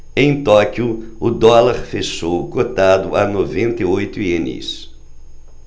em tóquio o dólar fechou cotado a noventa e oito ienes